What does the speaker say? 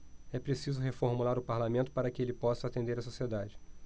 é preciso reformular o parlamento para que ele possa atender a sociedade